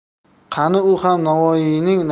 qani u ham navoiyning